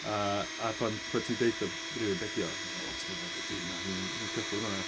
A a pan pan ti'n deutha rywun be dio, ma 'na lot o bobl deud "Duw na, ddim yn cyffwrdd â hwnna".